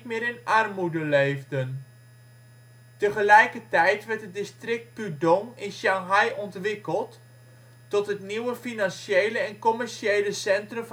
in armoede leefden. Tegelijkertijd werd het district Pudong in Shanghai ontwikkeld tot het nieuwe financiële en commerciële centrum